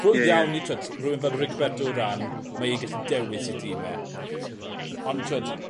rhwydd iawn i t'wod rywun fel Rigoberto Uran mae e gallu dewis 'i dîm e. Ond t'wod